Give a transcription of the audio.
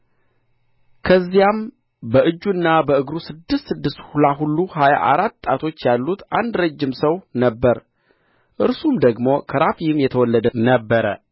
ከዚያም በእጁና በእግሩ ስድስት ስድስት ሁላሁሉ ሀያ አራት ጣቶች ያሉት አንድ ረጅም ሰው ነበረ እርሱም ደግሞ ከራፋይም የተወለደ ነበረ